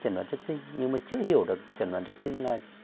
chẩn đoán trước sinh nhưng mà chưa hiểu được chuẩn đoán trước sinh là